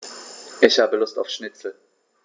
Ich habe Lust auf Schnitzel.